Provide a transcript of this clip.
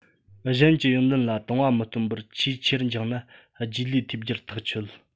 གཞན གྱི ཡོན ཏན ལ དང བ མི སྟོན པར ཆེས ཆེར འགྱིངས ན རྗེས ལུས ཐེབས རྒྱུར ཐག ཆོད